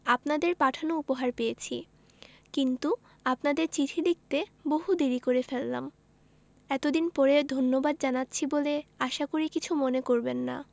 আপনাদের পাঠানো উপহার পেয়েছি কিন্তু আপনাদের চিঠি লিখতে বহু দেরী করে ফেললাম এতদিন পরে ধন্যবাদ জানাচ্ছি বলে আশা করি কিছু মনে করবেন না